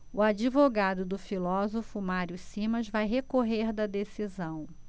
o advogado do filósofo mário simas vai recorrer da decisão